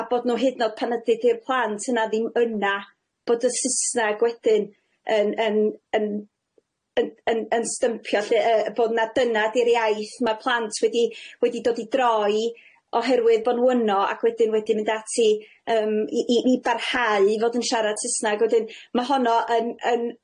A bod nhw hyd yn o'd pan ydi 'di'r plant yna ddim yna bod y Susnag wedyn yn yn yn yn yn yn stympio lly yy bod na dyna 'di'r iaith ma' plant wedi wedi dod i droi oherwydd bo' nhw yno ac wedyn wedyn mynd ati yym i i i barhau i fod yn siarad Susnag wedyn ma' honno yn yn